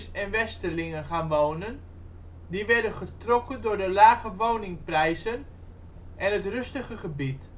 en westerlingen) gaan wonen, die werden getrokken door de lage woningprijzen en het rustige gebied